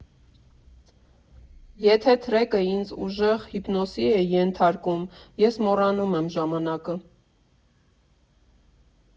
Եթե թրեքը ինձ ուժեղ հիպնոսի է ենթարկում, ես մոռանում եմ ժամանակը։